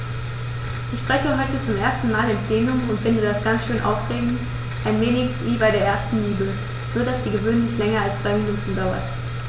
Ich spreche heute zum ersten Mal im Plenum und finde das ganz schön aufregend, ein wenig wie bei der ersten Liebe, nur dass die gewöhnlich länger als zwei Minuten dauert.